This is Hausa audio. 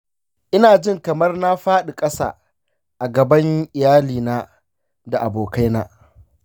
ina jin kamar na fadi kasa a gaban iyalina da abokaina.